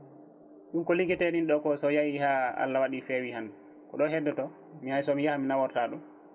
ɗum ko ligguete ɗum ko so yaahi ha Allah waɗi feewi hande ko heddoto min somi yaaha mi naworta ɗum